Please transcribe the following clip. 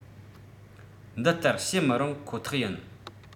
འདི ལྟར བཤད མི རུང ཁོ ཐག ཡིན